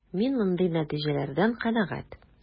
Мин мондый нәтиҗәләрдән канәгать.